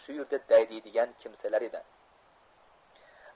shu yerda daydiydigan kimsalar edi